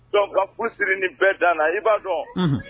Donc ka fu siri nin bɛɛ dan na, i b'a dɔn